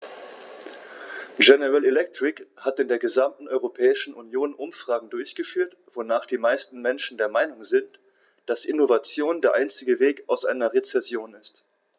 General Electric hat in der gesamten Europäischen Union Umfragen durchgeführt, wonach die meisten Menschen der Meinung sind, dass Innovation der einzige Weg aus einer Rezession ist.